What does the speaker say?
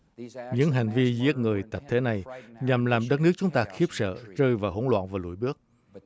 những hành vi giết người tập thể này nhằm làm đất nước chúng ta khiếp sợ rơi vào hỗn loạn và lùi bước